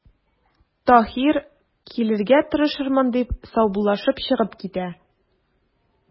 Таһир:– Килергә тырышырмын,– дип, саубуллашып чыгып китә.